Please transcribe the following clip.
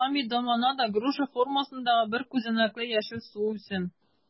Хламидомонада - груша формасындагы бер күзәнәкле яшел суүсем.